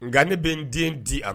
Nka ne bɛ n den di a